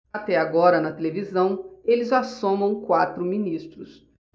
até agora na televisão eles já somam quatro ministros